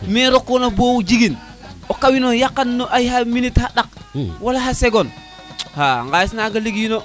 me rokona bo jegin o kawin o yaqan no ay xa minute xa ɗaq wala xa seconde xa a xalis naga ligeyi no